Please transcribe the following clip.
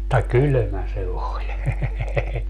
mutta kylmä se oli